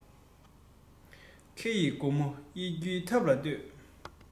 ཁེ གྱོང སྙིང ལ བཅངས ནས འགྲོ ལུགས མཛོད